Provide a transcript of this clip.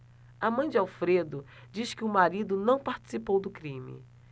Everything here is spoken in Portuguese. a mãe de alfredo diz que o marido não participou do crime